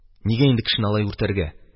Нигә инде кешене алай үртәргә?